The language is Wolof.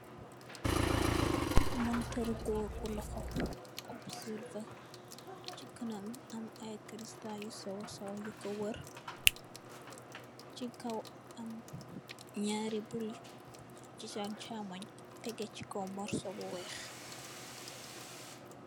Montor loho bu gorr am crista yo sew sew diko worr tegu si kaw morso bu weex.